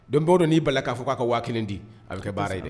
Donbaw dɔ n'i ba k'a fɔ k'a ka waa kelen di a bɛ kɛ baara ye dɛ